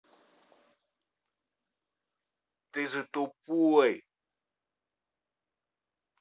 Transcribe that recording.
ты же тупой